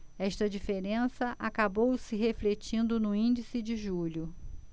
esta diferença acabou se refletindo no índice de julho